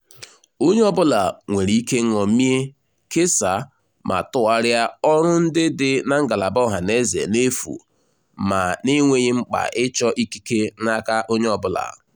Onye ọbụla nwere ike ṅomie, kesaa ma tụgharịa ọrụ ndị dị na ngalaba ọhaneze n'efu ma na-enweghị mkpa ịchọ ikike n'aka onye ọbụla.